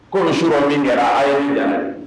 Ko su rɔ min kɛra a ye diyara dɛ